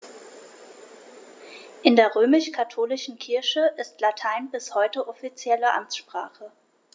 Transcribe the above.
In der römisch-katholischen Kirche ist Latein bis heute offizielle Amtssprache.